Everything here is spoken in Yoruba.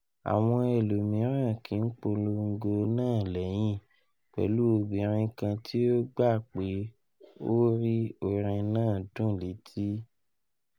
Awọn ẹlomiiran kin ipolongo naa lẹhin, pẹlu obirin kan ti o gba pe o ri orin naa "dun leti."